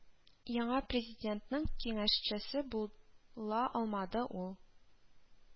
Яңа президентның киңәшчесе була алмады ул